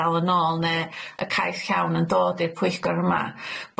dal yn ôl ne' y cais llawn yn dod i'r pwyllgor yma